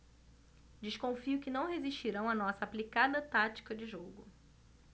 desconfio que não resistirão à nossa aplicada tática de jogo